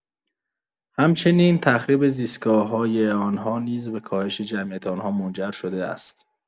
همچنین، تخریب زیستگاه‌های آنها نیز به کاهش جمعیت آنها منجر شده است.